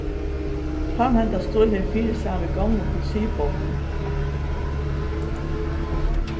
fann henda stíl herfyri saman við gomlum poesibókum